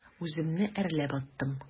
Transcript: Үземне әрләп аттым.